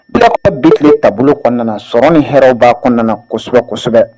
Bila bɛ tile taabolo kɔnɔna sɔrɔ ni hɛrɛ' kɔnɔna kosɛbɛ kosɛbɛ